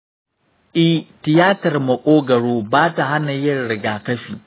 eh, tiyatar maƙogwaro ba ta hana yin rigakafi.